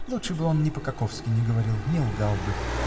Лучше бы он ни по-каковски не говорил: не лгал бы.